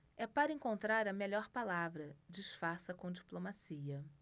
é para encontrar a melhor palavra disfarça com diplomacia